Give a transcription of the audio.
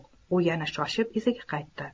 u yana shoshib iziga qaytdi